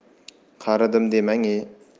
qaridim demang e